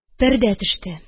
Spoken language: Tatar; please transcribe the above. Пәрдә төште